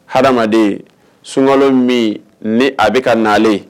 Adamaden sunkalo min ni a bɛka ka nalen